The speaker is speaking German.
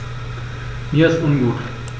Mir ist ungut.